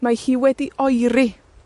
mae hi wedi oeri.